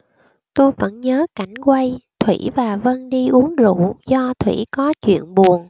tôi vẫn nhớ cảnh quay thủy và vân đi uống rượu do thủy có chuyện buồn